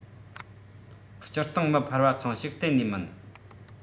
སྤྱིར བཏང མི ཕལ བ ཚང ཞིག གཏན ནས མིན